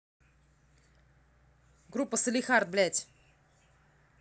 группа салехард блядь